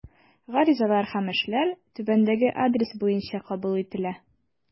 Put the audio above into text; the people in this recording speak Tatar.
Гаризалар һәм эшләр түбәндәге адрес буенча кабул ителә.